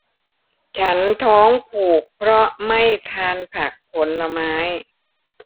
ฉันท้องผูกเพราะไม่ทานผักผลไม้